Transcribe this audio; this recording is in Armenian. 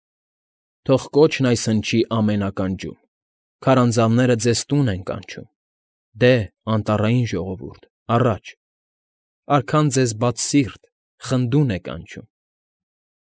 Թող կոչն այս հնչի ամեն ականջում. Քարանձավները ձեզ տուն են կանչում, Դե, Անտառային Ժողովուրդ, առաջ, Արքան ձեզ բացսիրտ, խնդուն է կանչում։